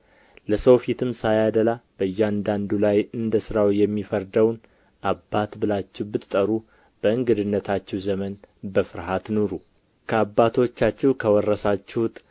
ለሰው ፊትም ሳያደላ በእያንዳንዱ ላይ እንደ ሥራው የሚፈርደውን አባት ብላችሁ ብትጠሩ በእንግድነታችሁ ዘመን በፍርሃት ኑሩ ከአባቶቻችሁ ከወረሳችሁት